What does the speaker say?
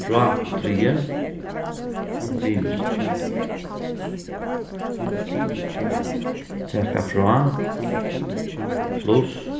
frádrigið minusa taka frá pluss